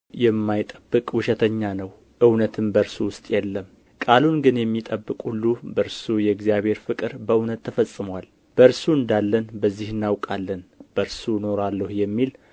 የማይጠብቅ ውሸተኛ ነው እውነትም በእርሱ ውስጥ የለም ቃሉን ግን የሚጠብቅ ሁሉ በእርሱ የእግዚአብሔር ፍቅር በእውነት ተፈጽሞአል በእርሱ እንዳለን በዚህ እናውቃለን በእርሱ እኖራለሁ የሚል